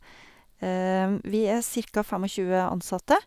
Vi er cirka fem og tjue ansatte.